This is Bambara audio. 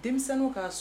Denmisɛnww ka so